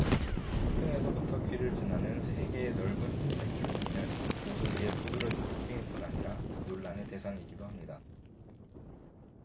콧등에서부터 귀를 지나는 세 개의 넓은 흰색 줄무늬는 오소리의 두드러진 특징일 뿐 아니라 논란의 대상이기도 합니다